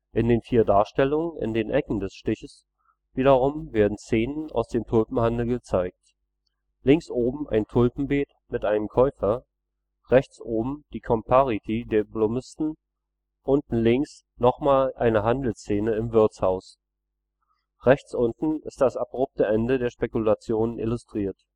In den vier Darstellungen in den Ecken des Stiches wiederum werden Szenen aus dem Tulpenhandel gezeigt: Links oben ein Tulpenbeet mit einem Käufer, rechts oben die Compariti der Bloemisten, unten links nochmals eine Handelsszene im Wirtshaus. Rechts unten ist das abrupte Ende der Spekulationen illustriert